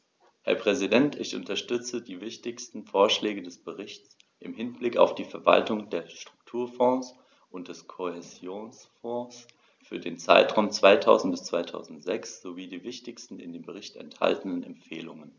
Herr Präsident, ich unterstütze die wichtigsten Vorschläge des Berichts im Hinblick auf die Verwaltung der Strukturfonds und des Kohäsionsfonds für den Zeitraum 2000-2006 sowie die wichtigsten in dem Bericht enthaltenen Empfehlungen.